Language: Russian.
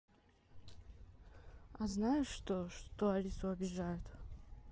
а ты знаешь что что алису обижают